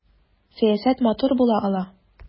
Сәясәт матур була ала!